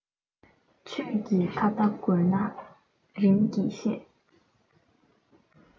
ཆོས ཀྱི ཁ བརྡ དགོས ན རིམ གྱིས བཤད